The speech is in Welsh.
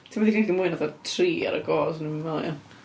Ti'm yn gallu llyncu mwy na fatha tri ar y go, 'swn i'm yn meddwl, ia.